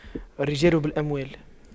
الرجال بالأموال